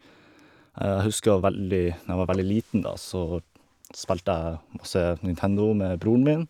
Jeg husker veldig når jeg var veldig liten, da, så spilte jeg masse Nintendo med broren min.